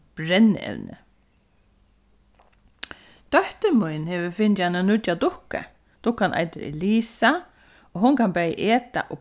brennievni dóttir mín hevur fingið eina nýggja dukku dukkan eitur elisa og hon kann bæði eta og